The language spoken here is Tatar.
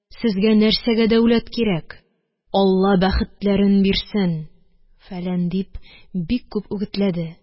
Сезгә нәрсәгә дәүләт кирәк, Алла бәхетләрен бирсен, фәлән, – дип, бик күп үгетләде.